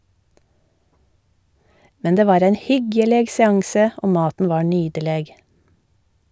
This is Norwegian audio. Men det var ein hyggjeleg seanse, og maten var nydeleg.